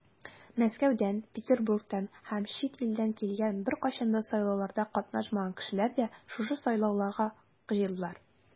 Мәскәүдән, Петербургтан һәм чит илдән килгән, беркайчан да сайлауларда катнашмаган кешеләр дә шушы сайлауларга җыелдылар.